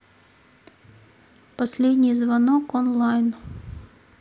последний звонок онлайн